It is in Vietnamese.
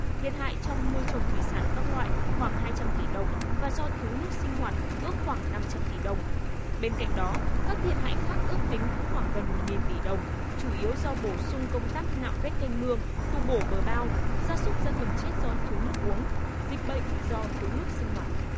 thiệt hại trong nuôi trồng thủy sản các loại khoảng hai trăm tỷ đồng và do thiếu nước sinh hoạt ước khoảng năm trăm tỷ đồng bên cạnh đó các thiệt hại khác ước tính cũng khoảng gần một nghìn tỷ đồng chủ yếu do bổ sung công tác nạo vét kênh mương tu bổ bờ bao gia súc gia cầm chết do thiếu nước uống dịch bệnh do thiếu nước sinh hoạt